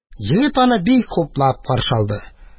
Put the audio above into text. Егет аны бик хуплап каршы алды.